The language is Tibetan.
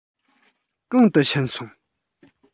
གང དུ ཕྱིན སོང